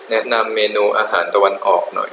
แนะนำเมนูอาหารตะวันออกหน่อย